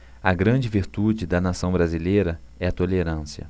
a grande virtude da nação brasileira é a tolerância